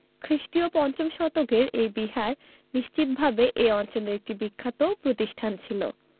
খ্রিস্টীয় ৫ম শতকের এই বিহার নিশ্চিতভাবে এ অঞ্চলের একটি বিখ্যাত প্রতিষ্ঠান ছিল